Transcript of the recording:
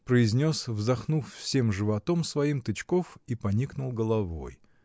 — произнес, вздохнув всем животом своим, Тычков и поникнул головой.